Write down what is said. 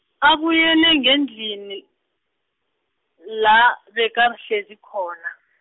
abuyele ngendlini, la bekahlezi khona.